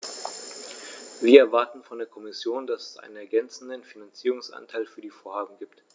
Wir erwarten von der Kommission, dass es einen ergänzenden Finanzierungsanteil für die Vorhaben gibt.